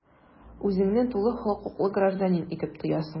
Үзеңне тулы хокуклы гражданин итеп тоясың.